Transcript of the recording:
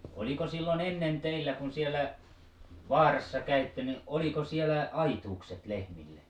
oliko silloin ennen teillä kun siellä vaarassa kävitte niin oliko siellä aituukset lehmille